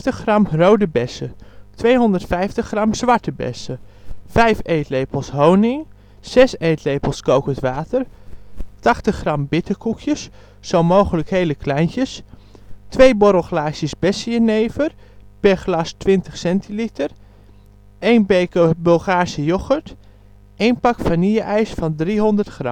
250g rode bessen 250g zwarte bessen 5 eetlepels honing 6 eetlepels kokend water 80g bitterkoekjes (zo mogelijk hele kleintjes) 2 borrelglaasjes bessenjenever (per glas 20cl) 1 beker Bulgaarse yoghurt 1 pak vanille-ijs van 300g